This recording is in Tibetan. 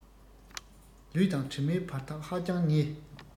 ལུས དང གྲིབ མའི བར ཐག ཧ ཅང ཉེ